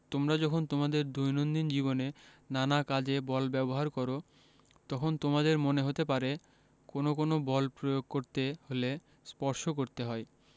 তোমরা যখন তোমাদের দৈনন্দিন জীবনে নানা কাজে বল ব্যবহার করো তখন তোমাদের মনে হতে পারে কোনো কোনো বল প্রয়োগ করতে হলে স্পর্শ করতে হয়